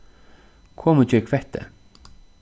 kom og ger kvettið